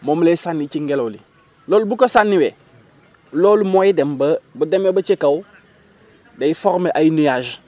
moom lay sànni ci ngelaw li loolu bu ko sànniwee loolu mooy dem ba bu demee ba ca kaw day former ay nuages